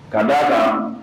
Ka'a kan